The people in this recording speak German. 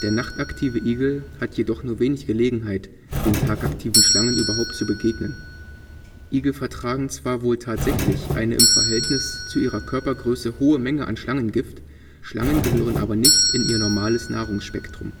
nachtaktive Igel hat jedoch nur wenig Gelegenheit, den tagaktiven Schlangen überhaupt zu begegnen. Igel vertragen zwar wohl tatsächlich eine im Verhältnis zu ihrer Körpergröße hohe Menge an Schlangengift, Schlangen gehören aber nicht in ihr normales Nahrungsspektrum